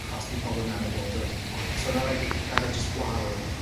achos by pobol y meddwl bod o'n hoyw. So o' 'na like jyst wal